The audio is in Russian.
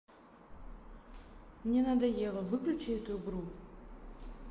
мне надоело выключи эту игру